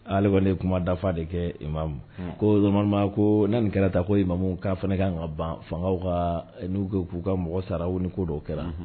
Ale kɔnni ye kuma dafa de kɛ, imamu. Un! Ko normalement ko na ni kɛra tan ko imamuw k'aw fana ka kan ka ban fangaw ka n'u ko k'u ka mɔgɔ sara ou ni ko dɔw kɛra. Unhun.